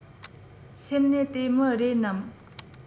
སེམས ནས དེ མི རེད ནམ